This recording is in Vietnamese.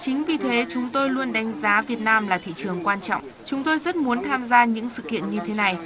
chính vì thế chúng tôi luôn đánh giá việt nam là thị trường quan trọng chúng tôi rất muốn tham gia những sự kiện như thế này